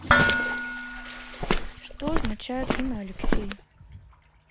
что означает имя алексей